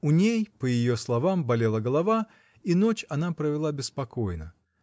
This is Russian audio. У ней, по ее словам, болела голова, и ночь она провела беспокойно.